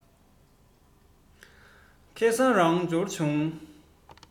ཁ སང རང འབྱོར བྱུང